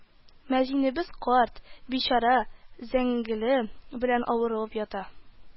Мәзинебез карт; бичара зәңгелә белән авырып ята